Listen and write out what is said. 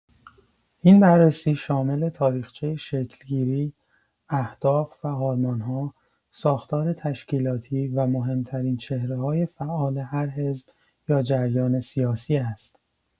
این بررسی شامل تاریخچه شکل‌گیری، اهداف و آرمان‌ها، ساختار تشکیلاتی و مهم‌ترین چهره‌های فعال هر حزب یا جریان سیاسی است.